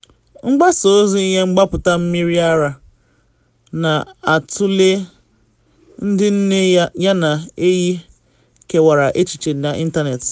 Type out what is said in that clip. Mgbasa ozi ihe mgbapụta mmiri ara na atụle ndị nne yana ehi kewara echiche n’ịntanetị